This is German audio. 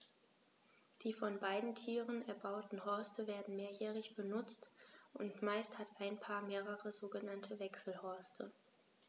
Die von beiden Tieren erbauten Horste werden mehrjährig benutzt, und meist hat ein Paar mehrere sogenannte Wechselhorste.